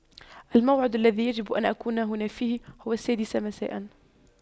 الموعد الذي يجب أن أكون هنا فيه هو السادسة مساءا